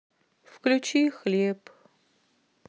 включи хлеб